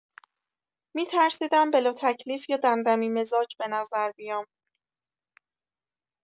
می‌ترسیدم بلاتکلیف یا دمدمی‌مزاج به نظر بیام.